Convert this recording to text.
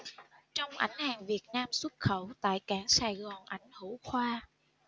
trong ảnh hàng việt nam xuất khẩu tại cảng sài gòn ảnh hữu khoa